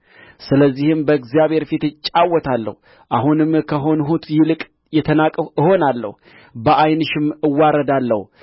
ስለዚህም በእግዚአብሔር ፊት እጫወታለሁ አሁንም ከሆንሁት ይልቅ የተናቅሁ እሆናለሁ በዓይንሽም እዋረዳለሁ